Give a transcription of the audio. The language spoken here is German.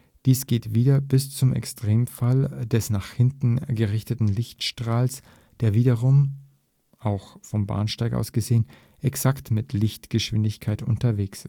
Dies geht wieder bis zum Extremfall des nach hinten gerichteten Lichtstrahls, der wiederum auch vom Bahnsteig aus gesehen exakt mit Lichtgeschwindigkeit unterwegs